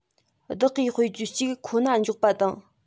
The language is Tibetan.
བདག གིས དཔེར བརྗོད གཅིག ཁོ ན འཇོག པ དང